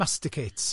Masticates.